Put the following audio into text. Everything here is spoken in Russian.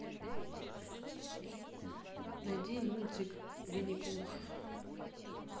найди мультик винни пух